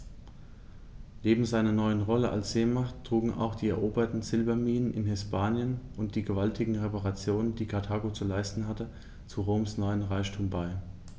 Neben seiner neuen Rolle als Seemacht trugen auch die eroberten Silberminen in Hispanien und die gewaltigen Reparationen, die Karthago zu leisten hatte, zu Roms neuem Reichtum bei.